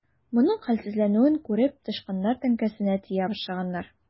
Моның хәлсезләнүен күреп, тычканнар теңкәсенә тия башлаганнар.